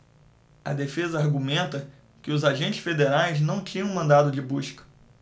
a defesa argumenta que os agentes federais não tinham mandado de busca